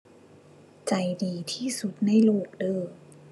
ใจดีที่สุดในโลกเด้อ